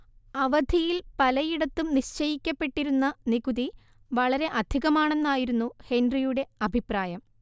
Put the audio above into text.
അവധിയിൽ പലയിടത്തും നിശ്ചയിക്കപ്പെട്ടിരുന്ന നികുതി വളരെ അധികമാണെന്നായിരുന്നു ഹെൻറിയുടെ അഭിപ്രായം